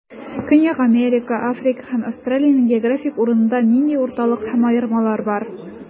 Көньяк Америка, Африка һәм Австралиянең географик урынында нинди уртаклык һәм аермалар бар?